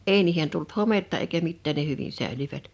ei niihin tullut hometta eikä mitään ne hyvin säilyivät